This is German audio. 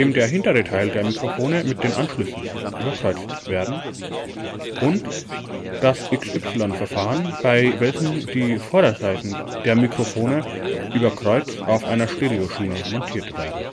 der hintere Teile der Mikrofone mit den Anschlüssen überkreuzt werden und das XY-Verfahren, bei welchem die Vorderseiten der Mikrofone über Kreuz auf einer Stereoschiene montiert werden